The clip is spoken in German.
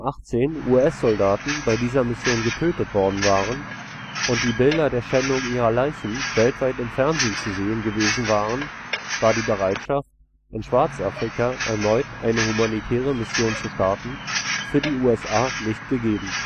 18 US-Soldaten bei dieser Mission getötet worden waren und die Bilder der Schändung ihrer Leichen weltweit im Fernsehen zu sehen gewesen waren, war die Bereitschaft, in Schwarz-Afrika erneut eine humanitäre Mission zu starten, für die USA nicht gegeben.